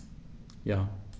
Ja.